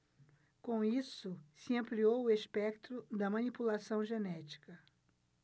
com isso se ampliou o espectro da manipulação genética